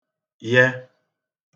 yẹ